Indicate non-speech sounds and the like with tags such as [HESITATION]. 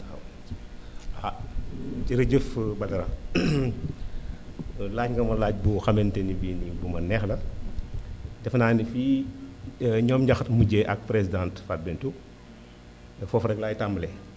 waaw ah jërëjëf Badara [COUGHS] laaj nga ma laaj boo xamante ni bu ma neex la defe naa ni fii [HESITATION] ñoom Ndiakhate mujjee ak présidente Fatou binetou foofu rek laay tàmbalee